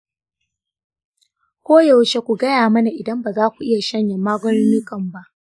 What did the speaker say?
koyaushe ku gaya mana idan ba za ku iya sayen magungunan ba.